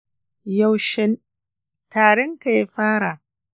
yaushe tarinka ya fara?